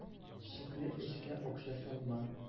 Шикле эшкә акча салма.